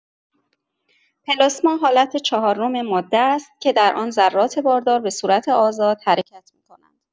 پلاسما حالت چهارم ماده است که در آن ذرات باردار به صورت آزاد حرکت می‌کنند.